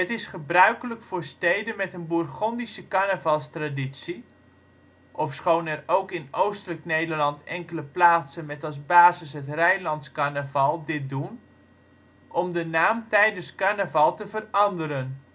is gebruikelijk voor steden met een Bourgondische carnavalstraditie (ofschoon er ook in Oostelijk Nederland enkele plaatsen met als basis het Rijnlands carnaval dit doen) om de naam tijdens carnaval te veranderen